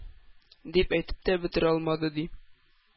Дип әйтеп тә бетерә алмады, ди,